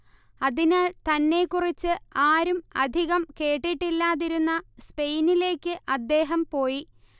അതിനാൽ തന്നെക്കുറിച്ച് ആരും അധികം കേട്ടിട്ടില്ലാതിരുന്ന സ്പെയിനിലേയ്ക്ക് അദ്ദേഹം പോയി